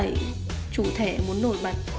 để tẩy chủ thể muốn nổi bật